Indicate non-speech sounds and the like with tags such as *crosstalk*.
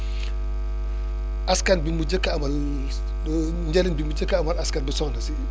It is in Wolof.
*breath* askan bi mu njëkk a amal *hesitation* njëriñ bi mu njëkk a amal askan bi soxna si